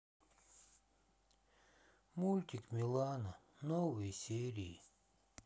мультик милана новые серии